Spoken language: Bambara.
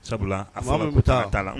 Sabula a faama bɛ taa t taa la